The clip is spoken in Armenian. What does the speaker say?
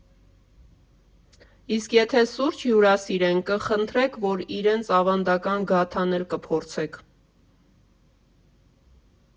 Իսկ եթե սուրճ հյուրասիրեն, կխնդրեք, որ իրենց ավանդական գաթան էլ կփորձեք։